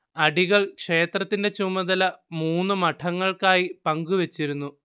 അടികൾ ക്ഷേത്രത്തിന്റെ ചുമതല മൂന്ന് മഠങ്ങൾക്കായി പങ്കുവച്ചിരുന്നു